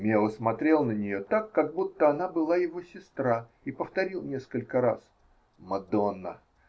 Мео смотрел на нее так, как будто она была его сестра, и повторил несколько раз: "Мадонна!